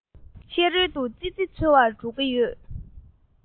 ཕྱི རོལ དུ ཙི ཙི འཚོལ བར འགྲོ གི ཡོད